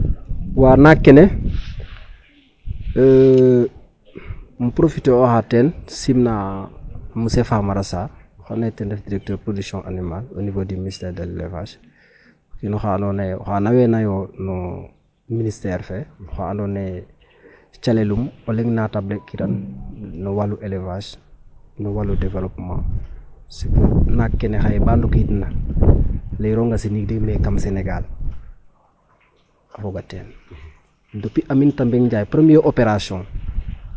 Waa ñakee de im profiter oxa teen simna Monsieur Famara Sarr oxe andoona yee ten ref directeur producteur production animal au nivau du ministère de l' élevage o kiin oxa andoona yee oxa naweenaayo no ministère fe oxa andoona yee calelum o leŋ natabelekiran no walu élevage no walu develeppement naak kene xaye ba ndokiid'ina layirong a sinig de mais kam Senegal a foga teen depuis Aminta Mbengue Ndiaye premiere opération.